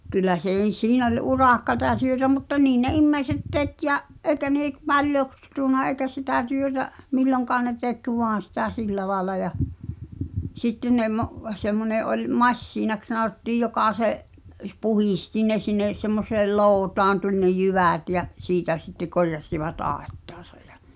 kyllä siinä oli urakkaa ja työtä mutta niin ne ihmiset teki ja eikä ne -- paljoksunut eikä sitä työtä milloinkaan ne teki vain sitä sillä lailla ja sitten ne - semmoinen oli masiinaksi sanottiin joka se - puhdisti ne sinne semmoiseen lootaan tuli ne jyvät ja siitä sitten korjasivat aittaansa ja